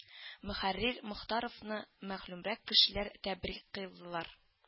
Мөхәррир Мохтаровны мәгълүмрәк кешеләр тәбрик кыйлдылар